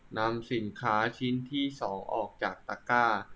นำสินค้าชิ้นที่สองออกจากตะกร้า